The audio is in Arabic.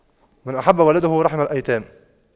من أحب ولده رحم الأيتام